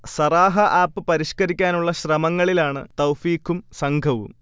Sarahah app പരിഷ്കരിക്കാനുള്ള ശ്രമങ്ങളിലാണ് തൗഫീഖും സംഘവും